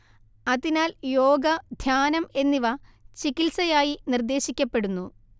അതിനാൽ യോഗ ധ്യാനം എന്നിവ ചികിത്സയായി നിർദ്ദേശിക്കപ്പെടുന്നു